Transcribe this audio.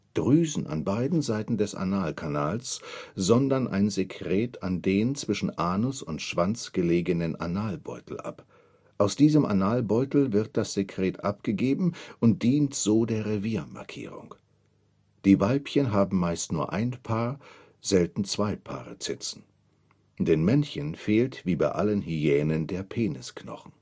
Drüsen an beiden Seiten des Analkanals sondern ein Sekret an den zwischen Anus und Schwanz gelegenen Analbeutel ab. Aus diesem Analbeutel wird das Sekret abgegeben und dient so der Reviermarkierung. Die Weibchen haben meist nur ein Paar, selten zwei Paare Zitzen. Den Männchen fehlt wie bei allen Hyänen der Penisknochen